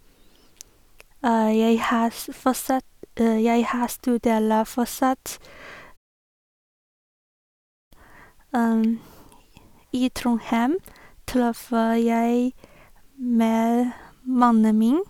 jeg har s fortsatt Jeg her studerer fortsatt I Trondheim treffer jeg med mannen min.